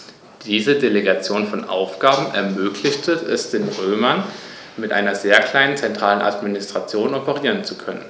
Diese Delegation von Aufgaben ermöglichte es den Römern, mit einer sehr kleinen zentralen Administration operieren zu können.